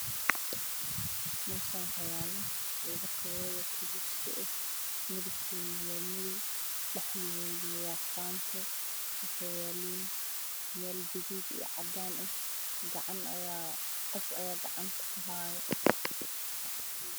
Waa labo kabood oo baabuud ah oo midabkooda yahay madow oo saaran miis buluug cadaan gacan ayaa hayso oo saacad xiran